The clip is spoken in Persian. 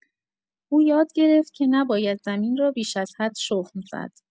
او یاد گرفت که نباید زمین را بیش از حد شخم زد.